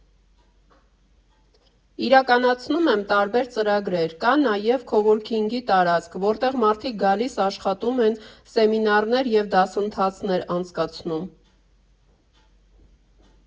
Իրականացնում են տարբեր ծրագրեր, կա նաև քովորքինգի տարածք, որտեղ մարդիկ գալիս աշխատում են, սեմինարներ և դասընթացներ անցկացվում։